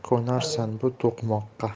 ko'narsan bu to'qmoqqa